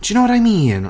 Do you know what I mean?